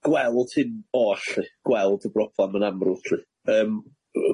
gweld hyn oll 'lly gweld y broblam yn amrwd 'lly yym